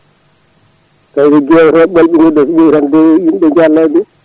tawi ko guewotoɓe ɓolɓe so ɓooyi yimɓe jaayat laabi mumen